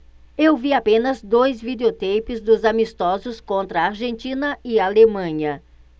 eu vi apenas dois videoteipes dos amistosos contra argentina e alemanha